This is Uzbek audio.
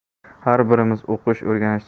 har birimiz o'qish o'rganishdan